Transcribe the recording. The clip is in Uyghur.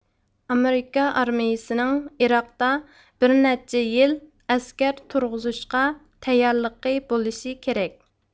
ئامېرىكا ئارمىيىسىنىڭ ئىراقتا بىرنەچچە يىل ئەسكەر تۇرغۇزۇشقا تەييارلىقى بولۇشى كېرەك